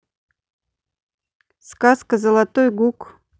сказка золотой гук